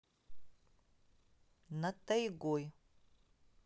над тайгой